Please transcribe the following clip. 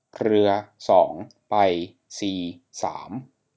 เรือสองไปซีสาม